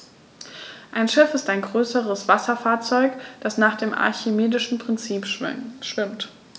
Ein Schiff ist ein größeres Wasserfahrzeug, das nach dem archimedischen Prinzip schwimmt.